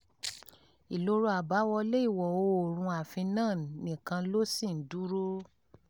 Ìloro àbáwọlé ìwọ̀-oòrùn-un ààfin náà nìkan ló ṣì ń dúró.